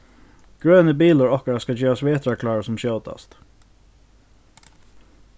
grøni bilur okkara skal gerast vetrarklárur sum skjótast